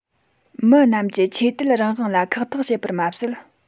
མི རྣམས ཀྱི ཆོས དད རང དབང ལ ཁག ཐེག བྱེད པར མ ཟད